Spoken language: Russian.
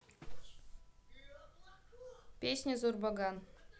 песня зурбаган